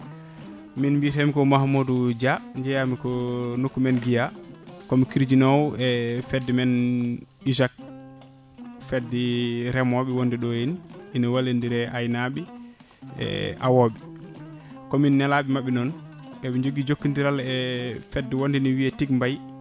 min mbiyatemi ko Mahmaoudou Dia jeeyami ko nokkumen Guiya komi kirjinowo e fedde men IJAK fedde remoɓe wonde ɗo henne ina wallodira e aynaɓe e awoɓe komin neelaɓe mabɓe noon eɓe joogui jokkodiral e fedde wonde ene wiiye Ticmbay